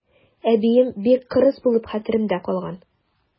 Әбием бик кырыс булып хәтеремдә калган.